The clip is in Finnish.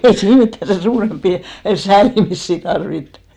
ei siinä mitään sen suurempia säälimisiä tarvittu